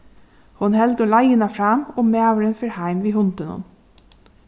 hon heldur leiðina fram og maðurin fer heim við hundinum